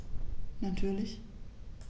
Natürlich.